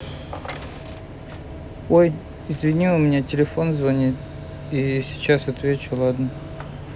ой извини у меня телефон звонит и сейчас отвечу ладно